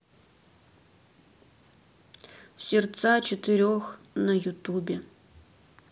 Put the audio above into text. сердца четырех на ютубе